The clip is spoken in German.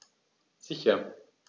Sicher.